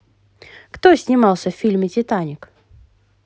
кто снимался в фильме титаник